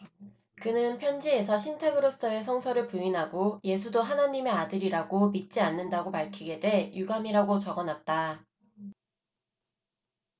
그는 편지에서 신탁으로써의 성서를 부인하고 예수도 하나님의 아들이라고 믿지 않는다고 밝히게 돼 유감이라고 적어놨다